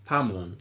Pam? Sa fo yn...